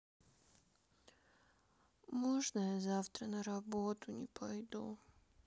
можно я завтра на работу не пойду